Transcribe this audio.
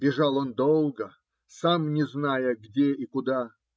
Бежал он долго, сам не зная, где и куда.